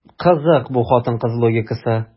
Кызык бу хатын-кыз логикасы.